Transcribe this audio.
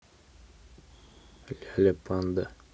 ляля панда